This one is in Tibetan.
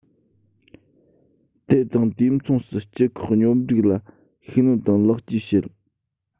དེ དང དུས མཚུངས སུ སྤྱི ཁོག སྙོམས སྒྲིག ལ ཤུགས སྣོན དང ལེགས བཅོས བྱེད